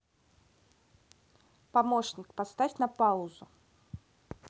помощник поставь на паузу